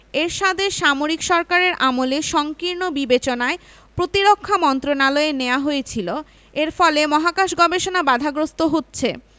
এরশাদের সামরিক সরকারের আমলে সংকীর্ণ বিবেচনায় প্রতিরক্ষা মন্ত্রণালয়ে নেওয়া হয়েছিল এর ফলে মহাকাশ গবেষণা বাধাগ্রস্ত হচ্ছে